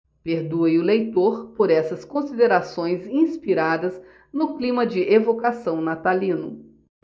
perdoe o leitor por essas considerações inspiradas no clima de evocação natalino